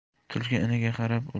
tulki iniga qarab